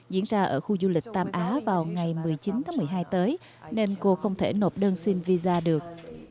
diễn ra ở khu du lịch tam á vào ngày mười chín tháng mười hai tới nên cô không thể nộp đơn xin vi ra được